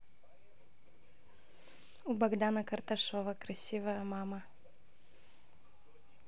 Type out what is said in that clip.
у богдана карташова красивая мама